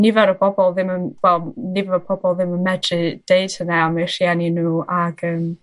nifer o bobol ddim yn m- fel nifer o pobol ddim yn medru deud hynna am eu rhieni nhw ag yym...